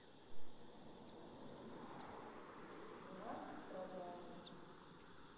у нас страдала